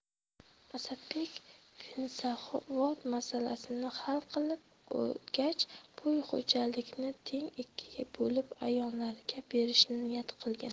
asadbek vinzavod masalasini hal qilib olgach bu xo'jalikni teng ikkiga bo'lib a'yonlarga berishni niyat qilgan